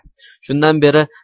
shundan beri